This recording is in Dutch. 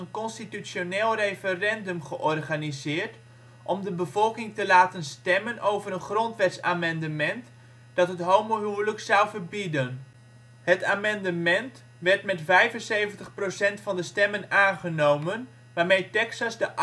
constitutioneel referendum georganiseerd om de bevolking te laten stemmen over een grondwetsamendement dat het homohuwelijk zou verbieden. Het amendement werd met 75 % van de stemmen aangenomen, waarmee Texas de